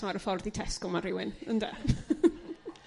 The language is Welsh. ma' ar y ffordd i Tesco ma' rhywun ynde? .